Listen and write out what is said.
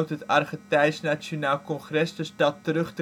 het Argentijns Nationaal Congres de stad terug